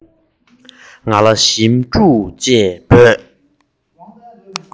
ང ལ ཞིམ ཕྲུག ཅེས འབོད